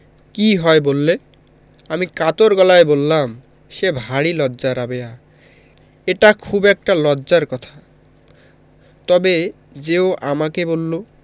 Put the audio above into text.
কি হয় বললে আমি কাতর গলায় বললাম সে ভারী লজ্জা রাবেয়া এটা খুব একটা লজ্জার কথা তবে যে ও আমাকে বললো